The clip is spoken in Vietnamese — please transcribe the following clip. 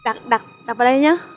đặt đặt đặt vào đây nhá